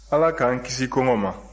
ala k'an kisi kɔngɔ ma